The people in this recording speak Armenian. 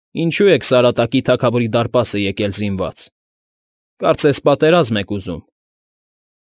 Ինչո՞ւ եք Սարատակի թագավորի դարպասը եկել զինված, կարծես պատերազմ եք ուզում։